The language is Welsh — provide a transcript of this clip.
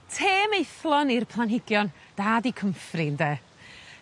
Te maethlon i'r planhigion da 'di comfrey ynde?